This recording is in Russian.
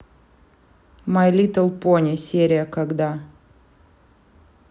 май литтл пони серия когда